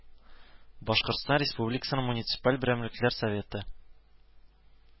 Башкортстан Республикасының муниципаль берәмлекләр советы